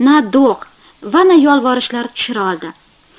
na do'q va na yolvorishlar tushira oldi